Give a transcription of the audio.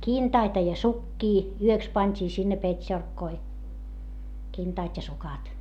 kintaita ja sukkia yöksi pantiin sinne petsorkkoihin kintaat ja sukat